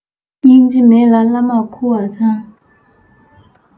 སྙིང རྗེ མེད ལ བླ མར ཁུར བ མཚང